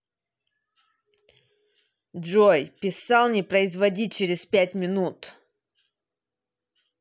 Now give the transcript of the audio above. джой писалне производить через пять минут